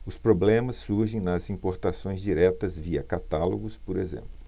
os problemas surgem nas importações diretas via catálogos por exemplo